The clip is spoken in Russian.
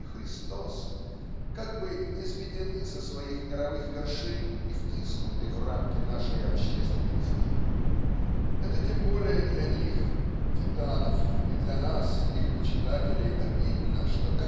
и Христос как бы низведены со своих мировых вершин и втиснуты в рамки нашей общественности. Это тем более для них титанов и для нас их почитателей обидно что